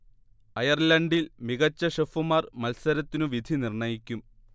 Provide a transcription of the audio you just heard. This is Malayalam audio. അയർലണ്ടിൽ മികച്ച ഷെഫുമാർ മത്സരത്തിനു വിധി നിർണയിക്കും